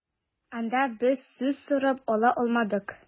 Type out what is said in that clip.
Анда без сүз сорап ала алмадык.